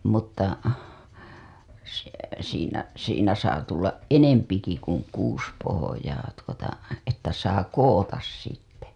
mutta se siinä siinä saa tulla enempikin kuin kuusi pohjaa tuota että saa koota sitten